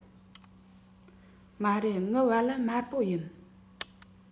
མ རེད ངའི བལ ལྭ དམར པོ ཡིན